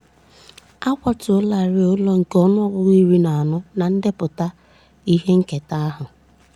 A kwatuolarịị ụlọ nke ọnụọgụgụ 14 na ndepụta ihe nketa ahụ.